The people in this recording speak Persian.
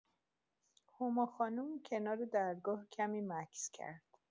هما خانم کنار درگاه کمی مکث کرد.